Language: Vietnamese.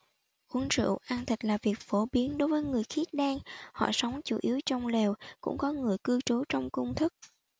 uống rượu ăn thịt là việc phổ biến đối với người khiết đan họ sống chủ yếu trong lều cũng có người cư trú trong cung thất